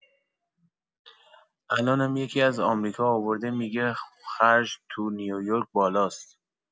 الانم یکی‌از آمریکا آورده می‌گه خرج تو نیویورک بالاست!